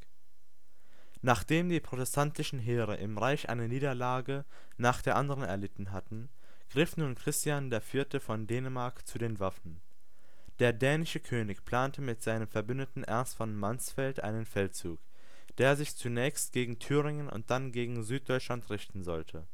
Nachdem die protestantischen Heere im Reich eine Niederlage nach der anderen erlitten hatten, griff nun Christian IV. von Dänemark zu den Waffen. Der dänische König plante mit seinem Verbündeten Ernst von Mansfeld einen Feldzug, der sich zunächst gegen Thüringen und dann gegen Süddeutschland richten sollte